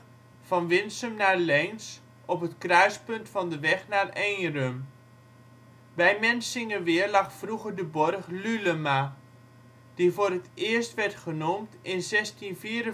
van Winsum naar Leens op het kruispunt van de weg naar Eenrum. Bij Mensingeweer lag vroeger de borg Lulema, die voor het eerst werd genoemd in 1654. In 1823